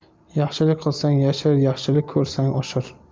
yaxshilik qilsang yashir yaxshilik ko'rsang oshir